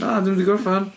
Na, dwi'm 'di gorffan.